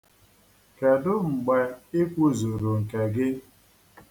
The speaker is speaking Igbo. Kedu mgbe i kwuzuru nke gị?